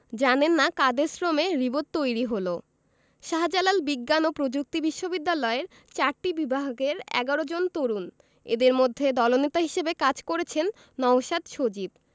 জানেন না কাদের শ্রমে রিবো তৈরি হলো শাহজালাল বিজ্ঞান ও প্রযুক্তি বিশ্ববিদ্যালয়ের চারটি বিভাগের ১১ জন তরুণ এদের মধ্যে দলনেতা হিসেবে কাজ করেছেন নওশাদ সজীব